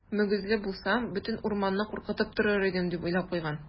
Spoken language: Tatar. Мөгезле булсам, бөтен урманны куркытып торыр идем, - дип уйлап куйган.